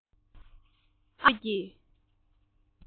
ཨ མའི གཏམ རྒྱུད ཁྲོད ཀྱི